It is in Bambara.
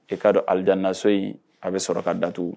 E ka dɔn alijinɛso in a bɛ sɔrɔ ka datugu .